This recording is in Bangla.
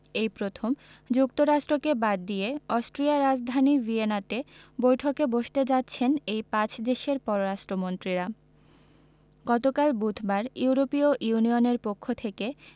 এই প্রথম যুক্তরাষ্ট্রকে বাদ দিয়ে অস্ট্রিয়ার রাজধানী ভিয়েনাতে বৈঠকে বসতে যাচ্ছেন এই পাঁচ দেশের পররাষ্ট্রমন্ত্রীরা গতকাল বুধবার ইউরোপীয় ইউনিয়নের পক্ষ থেকে